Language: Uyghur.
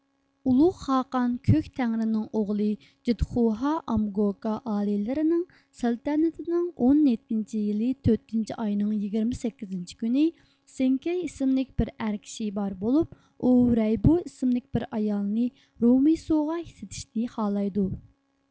ئۇلۇغ خاقان كۆك تەڭرىنىڭ ئوغلى جىتخۇھا ئامگوكا ئالىيلىرىنىڭ سەلتەنىتىنىڭ ئون يەتتىنچى يىلى تۆتىنچى ئاينىڭ يىگىرمە سەككىزىنچى كۈنى سېڭكەي ئىسىملىك بىر ئەر كىشى بار بولۇپ ئۇ رەيبو ئىسىملىك بىر ئايالنى رومېيسۇغا سېتىشنى خالايدۇ